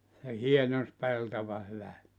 se hienonsi peltoa hyvästi